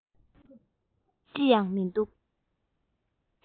ཅི ཡང མི འདུག